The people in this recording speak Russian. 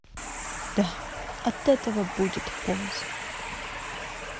да от этого будет польза